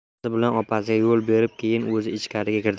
onasi bilan opasiga yo'l berib keyin o'zi ichkariga kirdi